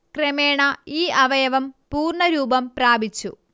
ക്രമേണ ഈ അവയവം പൂർണ്ണ രൂപം പ്രാപിച്ചു